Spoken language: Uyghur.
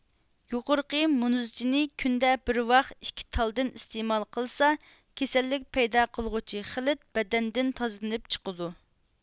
يۇقىرىقى مۇنىزچنى كۈندە بىر ۋاخ ئىككى تالدىن ئىستېمال قىلسا كېسەللىك پەيدا قىلغۇچى خىلىت بەدەندىن تازىلىنىپ چىقىدۇ